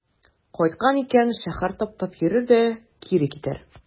Кайткан икән, шәһәр таптап йөрер дә кире китәр.